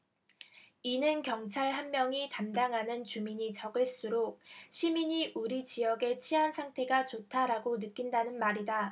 이는 경찰 한 명이 담당하는 주민이 적을수록 시민들이 우리 지역의 치안 상태가 좋다라고 느낀다는 말이다